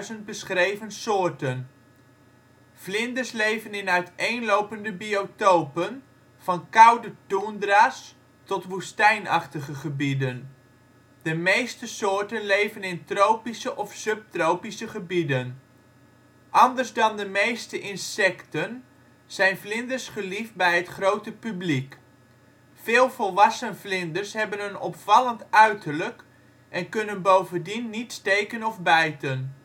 160.000 beschreven soorten. Vlinders leven in uiteenlopende biotopen: van koude toendra 's tot woestijnachtige gebieden. De meeste soorten leven in tropische of subtropische gebieden. Anders dan de meeste insecten zijn vlinders geliefd bij het grote publiek. Veel volwassen vlinders hebben een opvallend uiterlijk en kunnen bovendien niet steken of bijten